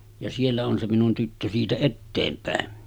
ja siellä on se minun tyttö siitä eteenpäin